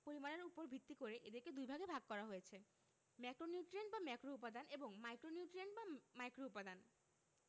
পরিমাণের উপর ভিত্তি করে এদেরকে দুইভাগে ভাগ করা হয়েছে ম্যাক্রোনিউট্রিয়েন্ট বা ম্যাক্রোউপাদান এবং মাইক্রোনিউট্রিয়েন্ট বা মাইক্রোউপাদান